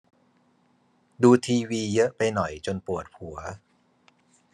ดูทีวีเยอะไปหน่อยจนปวดหัว